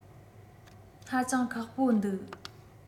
ཧ ཅང ཁག པོ འདུག